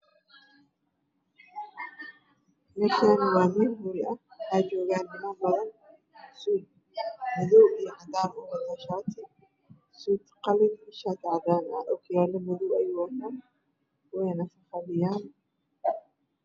Meeshaan waa meel guri ah waxaa joogaan niman badan suud Maya iyo cadaan ah wato iyo shaati. Suud qalin ah iyo shaati cadaan ah ookiyaalo madow ayuu wataa wayna fadhiyaan.